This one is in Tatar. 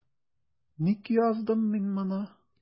Ник яздым мин моны?